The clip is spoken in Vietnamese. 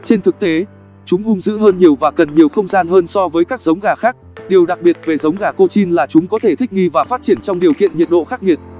trên thực tế chúng hung dữ hơn nhiều và cần nhiều không gian hơn so với các giống gà khác điều đặc biệt về giống gà cochin là chúng có thể thích nghi và phát triển trong điều kiện nhiệt độ khắc nghiệt